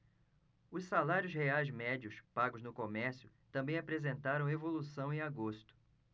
os salários reais médios pagos no comércio também apresentaram evolução em agosto